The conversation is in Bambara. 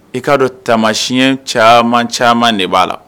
I k'a dɔn tamasiyɛn caman caman de b'a la